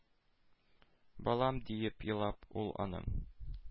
— балам! — диеп, елап, ул аның